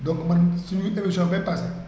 donc man suñu émission bee passé